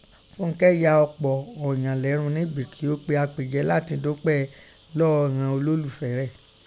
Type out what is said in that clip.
Funkẹ ya ọpọ ọ̀ǹyan lẹ́run nígbì kí ọ́ pe apejẹ latin dupẹ lọ́ọ́ ìghọn ọlólùfẹ́ rẹ̀.